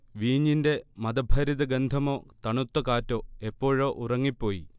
വീഞ്ഞിന്റെ മദഭരിത ഗന്ധമോ, തണുത്ത കാറ്റോ, എപ്പോഴോ ഉറങ്ങിപ്പോയി